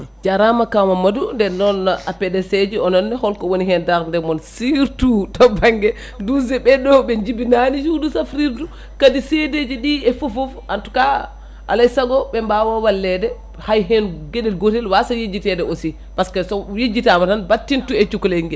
jarama kaw Mamadou nden noon APDC ji ononne ko woni hen darde moon surtout to banggue dusde ɓeɗo ɓe jibinani suudu safrirdu kadi seedeji ɗi e fofoof en tout cas alay saago ɓe mbawa wallede hay hen gueɗel gotel wasa yejjitede aussi par ce que so yejitama tan bantintu e cukalel nguel